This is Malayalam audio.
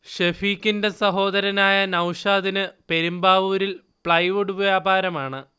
ഷെഫീഖിന്റെ സഹോദരനായ നൗഷാദിന് പെരുമ്പാവൂരിൽ പ്ലൈവുഡ് വ്യാപാരമാണ്